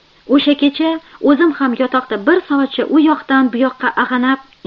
o'sha kecha o'zim yotoqda bir soatcha u yoqdan bu yoqqa ag'anab